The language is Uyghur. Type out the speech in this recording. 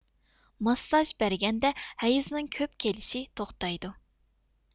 ماسساژ بەرگەندە ھەيزنىڭ كۆپ كېلىشى توختايدۇ